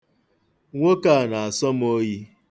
Nwoke a na-asọ m oyi.